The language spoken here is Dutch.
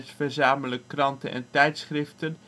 verzamelen kranten en tijdschriften